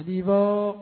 I